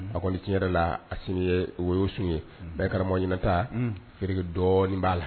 A ko ni tiɲɛ yɛrɛ la a sini yewoy sun ye bɛɛ karamɔgɔ ɲɛnata feereere dɔɔninɔni b'a la